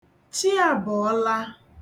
Chi abọọla.